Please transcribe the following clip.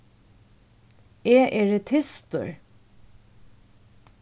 eg eri tystur